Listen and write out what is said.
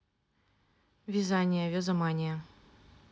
вязание вязомания